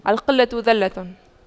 القلة ذلة